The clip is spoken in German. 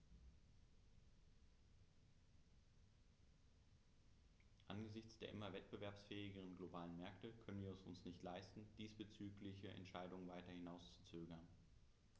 Angesichts der immer wettbewerbsfähigeren globalen Märkte können wir es uns nicht leisten, diesbezügliche Entscheidungen weiter hinauszuzögern.